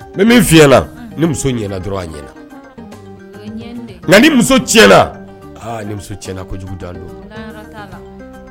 Mɛ min ni muso ɲɛna dɔrɔn a ɲɛna nka ni muso musoɲɛna jugu dan don